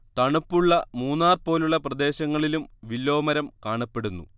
തണുപ്പുള്ള മൂന്നാർ പോലുള്ള പ്രദേശങ്ങളിലും വില്ലൊ മരം കാണപ്പെടുന്നു